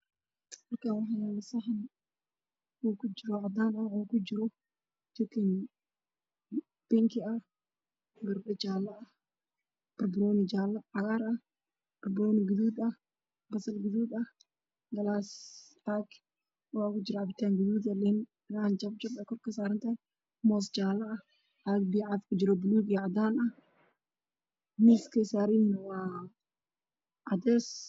Halkaan waxaa yaalo saxan cadaan ah waxaa kujiro jikin bingi ah, barbanooni cagaar ah, barbanooni gaduudan iyo basal gaduud, galaas waxaa kujiro cabitaan gaduud ah iyo liin jab ah oo kor kasaaran, moos iyo caag caafi ah oo buluug iyo cadaan ah, miiska ayay saaran yihiin waa cadeys.